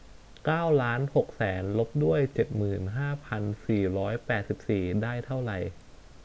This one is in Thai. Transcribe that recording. เก้าล้านหกแสนลบด้วยเจ็ดหมื่นห้าพันสี่ร้อยแปดสิบสี่ได้เท่าไร